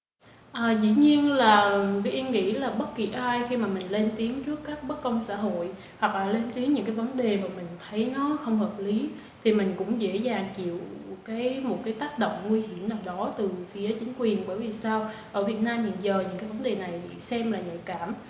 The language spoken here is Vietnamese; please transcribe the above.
à dĩ nhiên là với ý nghĩ là bất kỳ ai khi mà mình lên tiếng trước các bất công xã hội học hoặc là lên tiếng những cái vấn đề mà mình thấy nó không hợp lý thì mình cũng dễ dàng chịu cái một cái tác động nguy hiểm nào đó từ phía chính quyền bởi vì sao ở việt nam hiện giờnhững cái vấn đề này bị xem là nhạy cảm